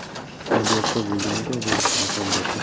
tabiatda bo'lgani kabi muhabbatda